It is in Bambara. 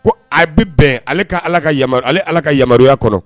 Ko a bɛ bɛn ale ka ala ka ale ala ka yamaruyaya kɔnɔ